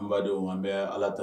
N badenw an bɛ Ala tan